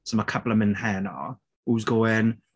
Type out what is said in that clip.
So mae couple yn mynd heno. Who's going?